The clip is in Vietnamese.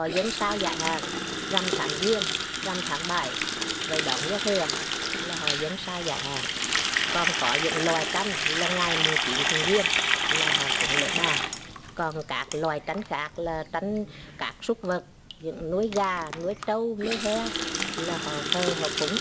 họ dâng sao giải hạn rằm tháng giêng rằm tháng bảy rồi đón giao thừa là họ dâng sao giải hạn còn có những loại tranh là ngày mùng chín tháng giêng là họ cúng lễ ba còn các loại tranh khác là tranh các súc vật nuôi gà nuôi trâu nuôi heo là họ thờ họ cúng